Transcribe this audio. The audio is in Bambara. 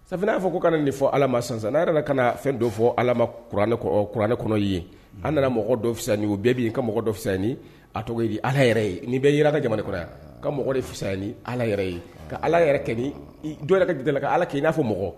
Sabu n'a fɔ ko ka nin fɔ ala san san n'a yɛrɛ ka fɛn dɔ fɔ ala kuran kuranɛ kɔnɔ ye an nana mɔgɔ dɔ fisani u bɛɛ bɛ ka mɔgɔ fisa a tɔgɔ ala yɛrɛ ye nin bɛ jira ka jamana kɔrɔ ka mɔgɔ de fisa ni ala yɛrɛ ye ka ala yɛrɛ kɛ ka dilan ka ala k' i n'a fɔ mɔgɔ